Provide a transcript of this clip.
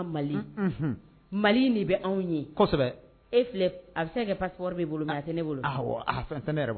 Mali de bɛ anw e a bɛ ka pa' bolo tɛ ne bolo